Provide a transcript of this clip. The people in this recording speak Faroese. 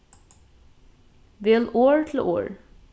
vel orð til orð